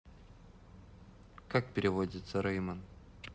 как переводится рэйман